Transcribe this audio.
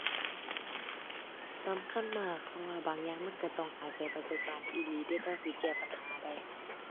สำคัญมาก เพราะว่าบางอย่างมันก็ต้องอาศัยประสบการณ์อีหลีเดะ จั่งสิแก้ปัญหาได้